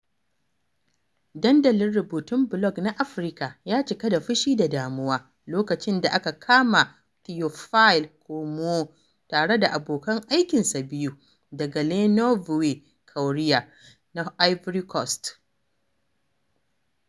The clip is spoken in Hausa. Dandalin rubutun blog na Afirka ya cika da fushi da damuwa lokacin da aka kama Théophile Kouamouo tare da abokan aikinsa biyu daga Le Nouveau Courrier na Ivory Coast.